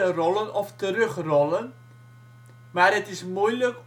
rollen of terugrollen, maar het is moeilijk